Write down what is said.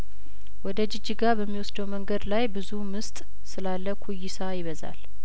ወደ ጂጂጋ በሚወስደው መንገድ ላይ ብዙምስጥ ስላለ ኩይሳ ይበዛል